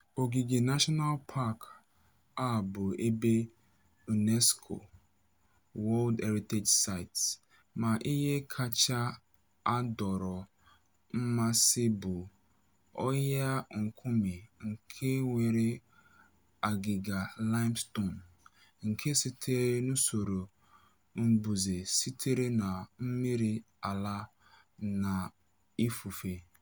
Ogige National Park a bụ ebe UNESCO World Heritage Site, ma ihe kacha adọrọ mmasị bụ ọhịa nkume nke nwere agịga limestone nke sitere n'usoro mbuze sitere na mmiri ala na ifufe.